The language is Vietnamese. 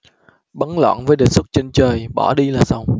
bấn loạn với đề xuất trên trời bỏ đi là xong